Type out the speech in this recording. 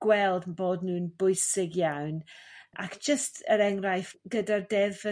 gweld bod n'w'n bwysig iawn ac jyst yr enghraifft gyda'r deddfu